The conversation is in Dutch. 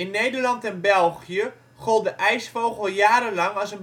Nederland en België gold de ijsvogel jarenlang als